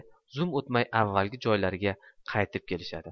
zum o'tmay avvalgi joylariga qaytib kelishadi